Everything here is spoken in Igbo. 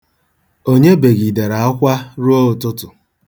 Onye begidere akwa ruo ụtụtụ?